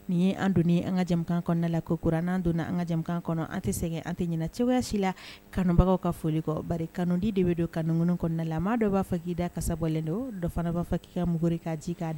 Nin ye an don an ka jamana kɔnɔ la ko kuran n'an donna an kaja kɔnɔ an tɛ sɛgɛn an tɛ ɲ cɛsi la kanubagaw ka foli kɔ ba kanudi de bɛ don kanug kɔnɔnada la a ma dɔ b'a fɔ k'i da kasalen don dɔ fana b'a fɔ'i ka muguri k ka di k'a dɛ